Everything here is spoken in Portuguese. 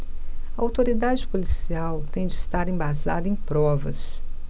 a autoridade policial tem de estar embasada em provas